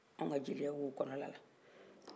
anw ka jeliya b'o kɔnɔ la